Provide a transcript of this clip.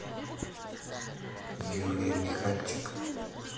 юлия михальчик